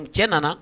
Cɛ nana